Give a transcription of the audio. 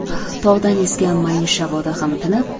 tog'dan esgan mayin shaboda ham tinib